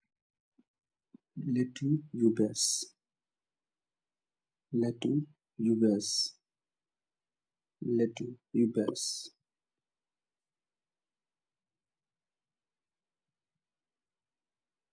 Leetu yu bes, leetu yu bes, leetu yu bes